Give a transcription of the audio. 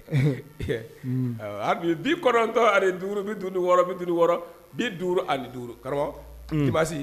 Ɛɛ a bi bi kɔnɔntɔn ani duuru , bi duru ni wɔɔrɔ, bi duuru ani wɔrɔ, bi duuru ni duuru . Karamɔgɔ , unhun , nin tɛ basi ye